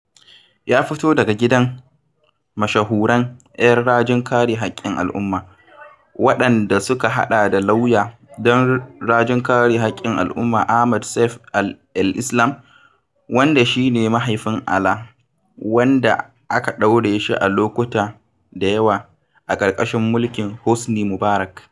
Ya fito daga gidan mashahuran 'yan rajin kare haƙƙin al'umma, waɗanda suka haɗa da lauya ɗan rajin kare haƙƙin al'umma Ahmed Seif El Islam, wanda shi ne mahaifin Alaa, wanda aka ɗaure shi a lokuta da yawa a ƙarƙashin mulkin Hosni Mubarak.